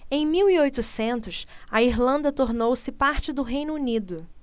em mil e oitocentos a irlanda tornou-se parte do reino unido